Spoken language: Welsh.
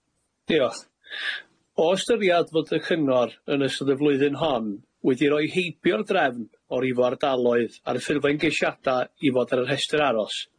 Diolch. O ystyriad fod y cyngor yn ystod y flwyddyn hon wedi roi heibio'r drefn o rifo ardaloedd ar y ffurflan geisiada i fod ar y rhestr aros